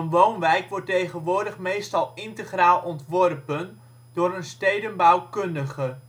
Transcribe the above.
woonwijk wordt tegenwoordig meestal integraal ontworpen door een stedenbouwkundige